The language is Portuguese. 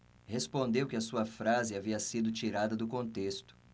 respondeu que a sua frase havia sido tirada do contexto